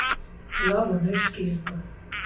Լավն էր սկիզբը։